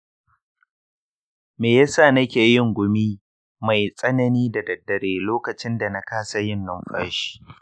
me yasa nake yin gumi mai tsanani da daddare lokacin da na kasa yin numfashi?